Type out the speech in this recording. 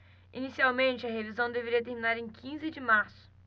inicialmente a revisão deveria terminar em quinze de março